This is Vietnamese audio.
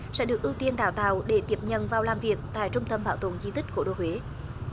sẽ được ưu tiên đào tạo để tiếp nhận vào làm việc tại trung tâm bảo tồn di tích cố đô huế